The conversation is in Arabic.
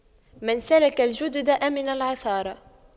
من سلك الجدد أمن العثار